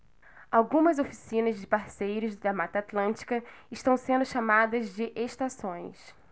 algumas oficinas de parceiros da mata atlântica estão sendo chamadas de estações